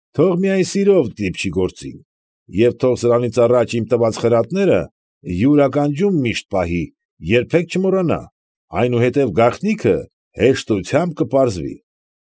Թող միայն սիրով դիպչի գործին և թող սրանից առաջ իմ տված խրատներն յուր ականջում միշտ պահի, երբեք չմոռանա, այնուհետև գաղտնիքը հեշտությամբ կպարզվի։